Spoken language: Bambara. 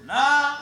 A